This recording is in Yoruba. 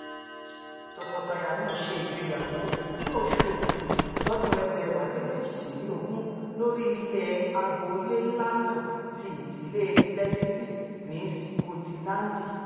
Tọkọtaya náà ṣe ìgbéyàwó ní oṣù Òkúdu lọ́dún 2018 lórí ilẹ̀ agbo-ilé ńlá ti ìdíle Leslie ní Sikọtilandi.